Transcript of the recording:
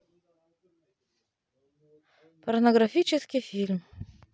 порнографический фильм